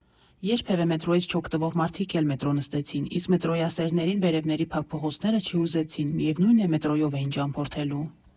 Երբևէ մետրոյից չօգտվող մարդիկ էլ մետրո նստեցին, իսկ մետրոյասերներին վերևների փակ փողոցները չհուզեցին, միևնույն է, մետրոյով էին ճամփորդելու։